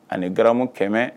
Ani gamo kɛmɛ